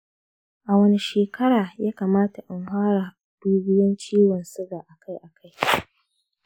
a wani shekara yakamata in fara dubiyan ciwon siga akai akai?